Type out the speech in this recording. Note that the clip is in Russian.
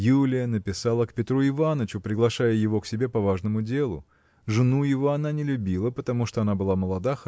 Юлия написала к Петру Иванычу, приглашая его к себе по важному делу. Жену его она не любила потому что она была молода